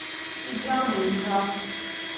игра майнкрафт